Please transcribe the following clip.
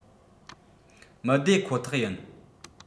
མི བདེ ཁོ ཐག ཡིན